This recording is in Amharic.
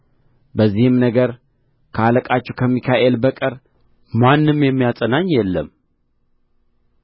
በዚህም ነገር ከአለቃችሁ ከሚካኤል በቀር ማንም የሚያጸናኝ የለም